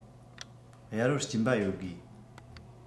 གཡར བར སྐྱིན པ ཡོད དགོས